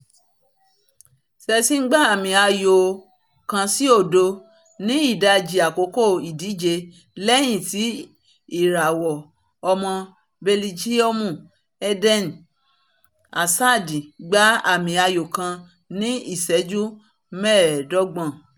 Chelsea ń gbá àmi ayò 1-0 ní ìdajì àkókò ìdíje lẹ́yìn tí ìràwọ̀ ọmọ Bẹlijiọmu Eden Hazard gbá àmi ayò kan ní ìṣẹ́jú mẹ́ẹ̀dọ́gbọ̀n.